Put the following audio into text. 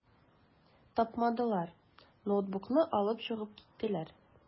Тапмадылар, ноутбукны алып чыгып киттеләр.